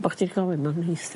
Bo' chd 'di gofyn ma' o'n neis...